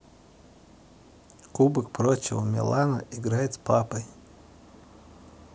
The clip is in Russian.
кубок прочего милана играет с папой